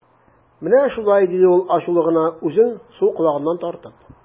Менә шулай, - диде ул ачулы гына, үзен сул колагыннан тартып.